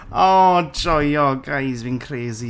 O joio, guys, fi'n crazy.